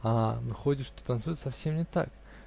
а выходит что танцуют совсем не так.